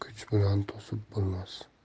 kuch bilan to'sib bo'lmas